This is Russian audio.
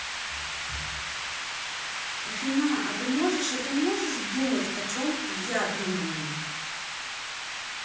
афина а ты можешь а ты можешь думать о чем я думаю